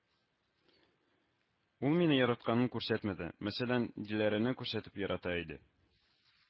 Ул мине яратканын күрсәтмәде, мәсәлән Диләрәне күрсәтеп ярата иде